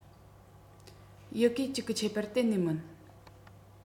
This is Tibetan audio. ཡི གེ གཅིག གི ཁྱད པར གཏན ནས མིན